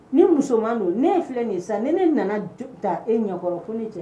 Ni musoman don , ne filɛ nin ye sisan, ne ne nana da e ɲɛkɔrɔ ko ne cɛ